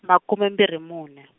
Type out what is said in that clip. makume mbirhi mune.